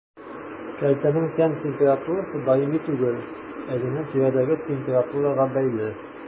Кәлтәнең тән температурасы даими түгел, әйләнә-тирәдәге температурага бәйле.